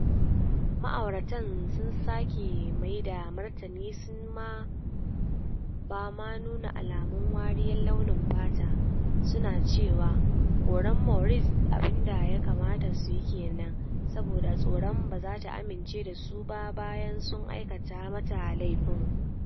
Ma'auratan sun sake mai da martani sunce mu ba ma nuna alamun wariyar launin fata, su na cewa koran Maurice abin da ya kamata su yi kenan, saboda tsoron ba za ta amince da su ba bayan sun aikata mata laifin.